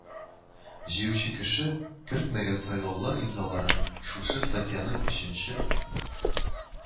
Җыючы кеше кертмәгән сайлаучылар имзалары, шушы статьяның өченче